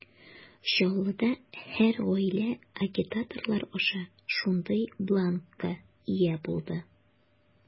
Чаллыда һәр гаилә агитаторлар аша шундый бланкка ия булды.